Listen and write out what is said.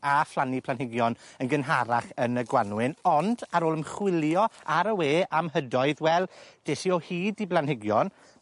a phlannu planhigion yn gynharach yn y gwanwyn ond ar ôl ymchwilio ar y we am hydoedd wel des i o hyd i blanhigion